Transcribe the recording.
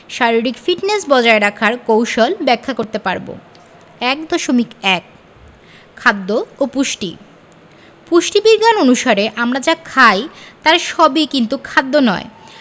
শারীরিক ফিটনেস বজায় রাখার কৌশল ব্যাখ্যা করতে পারব ১.১ খাদ্য ও পুষ্টি পুষ্টিবিজ্ঞান অনুসারে আমরা যা খাই তার সবই কিন্তু খাদ্য নয়